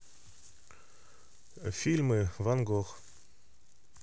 фильм ван гог